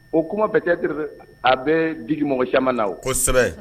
O kuma bɛɛcɛte a bɛ bijimɔgɔ caman na o ko kosɛbɛ